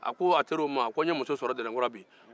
a ko a teriw ma ko n ye muso sɔrɔ dɛnɛnkura bi